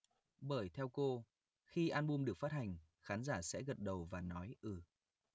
bởi theo cô khi album được phát hành khán giả sẽ gật đầu và nói ừ